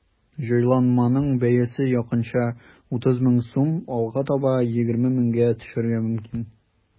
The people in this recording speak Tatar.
Җайланманың бәясе якынча 30 мең сум, алга таба 20 меңгә төшәргә мөмкин.